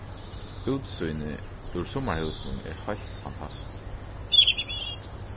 útsýnið úr summarhúsinum er heilt fantastiskt